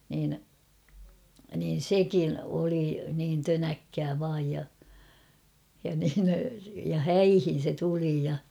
niin niin sekin oli niin tönäkkää vain ja ja niin ja häihin se tuli ja